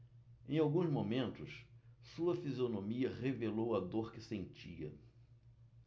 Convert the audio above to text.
em alguns momentos sua fisionomia revelou a dor que sentia